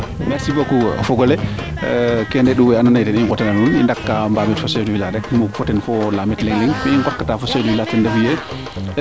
merci beaucoup o fogole keene re u we ando naye den i ngot u i ndaka mbamir fo chef du village ngot fo ten laamit leŋ ten refu yee